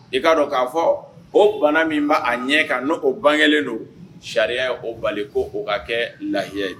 I k'a dɔn k'a fɔ o bana min b'a ɲɛ kan no o bangɛlen don sariya ye o bali ko o ka kɛ lahiya ye